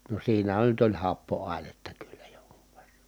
no siinähän nyt oli happoainetta kyllä jonkun verran